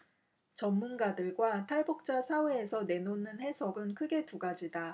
전문가들과 탈북자 사회에서 내놓는 해석은 크게 두 가지다